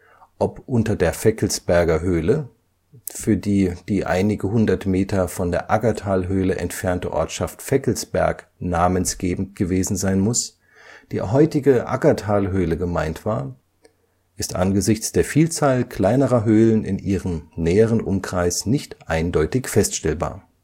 Ob unter der Feckelsberger Höhle, für die die einige hundert Meter von der Aggertalhöhle entfernte Ortschaft Feckelsberg namensgebend gewesen sein muss, die heutige Aggertalhöhle gemeint war, ist angesichts der Vielzahl kleinerer Höhlen in ihrem näheren Umkreis nicht eindeutig feststellbar